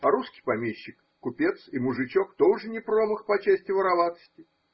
а русский помещик, купец и мужичок тоже не промах по части вороватости.